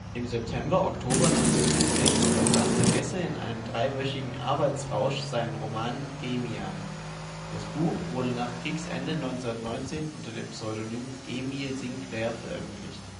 Im September/Oktober 1917 verfaßte Hesse in einem dreiwöchigen Arbeitsrausch seinen Roman " Demian ". Das Buch wurde nach Kriegsende 1919 unter dem Pseudonym Emil Sinclair veröffentlicht